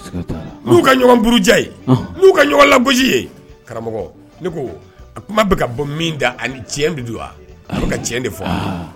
U kau ka ɲɔgɔn labon karamɔgɔ ne ko a kuma bɛ ka bɔ cɛn wa a tiɲɛ de fɔ